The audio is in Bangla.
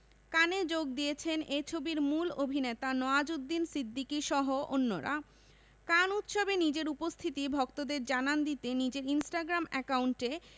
কানে যোগ দিয়েছেন এ ছবির মূল অভিনেতা নওয়াজুদ্দিন সিদ্দিকীসহ অন্যরা কান উৎসবে নিজের উপস্থিতি ভক্তদের জানান দিতে নিজের ইনস্টাগ্রাম অ্যাকাউন্টে